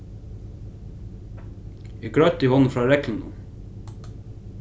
eg greiddi honum frá reglunum